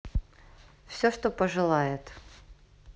все что пожелает